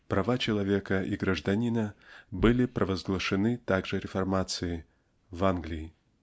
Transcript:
права человека и гражданина были провозглашены также реформацией (в Англии)